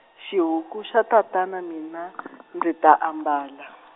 xihuku xa tatana mina , ndzi ta ambala.